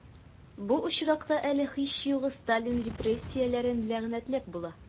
Бу очракта әле, һич югы, Сталин репрессияләрен ләгънәтләп була...